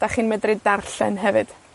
'dach chi'n medru darllen hefyd.